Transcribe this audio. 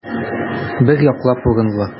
Бер яклап урынлы.